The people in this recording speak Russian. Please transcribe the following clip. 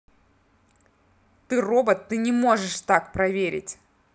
ты робот ты не можешь так проверить